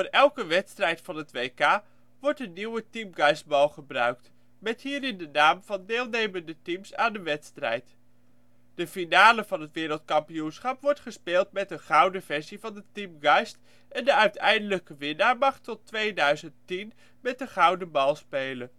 elke wedstrijd van het WK wordt een nieuwe Teamgeist-bal gebruikt, met hierin de naam van deelnemende teams aan de wedstrijd. De finale van het Wereldkampioenschap wordt gespeeld met een gouden versie van de Teamgeist, en de uiteindelijke winnaar mag tot en met 2010 met de gouden bal spelen